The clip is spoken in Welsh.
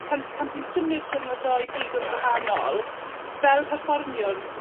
tan... Pan ti'n symud rhwng y ddou pigwn gwahanol, fel perfformiwr...